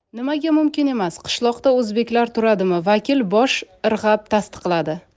nimaga mumkin emas qishloqda o'zbeklar turadimi vakil bosh irg'ab tasdiqladi